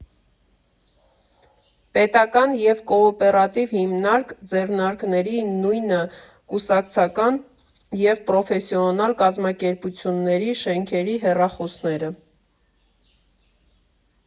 Պետական և կոոպերատիվ հիմնարկ֊ձեռնարկների, նույնը կուսակցական և պրոֆեսիոնալ կազմակերպությունների շենքերի հեռախոսները.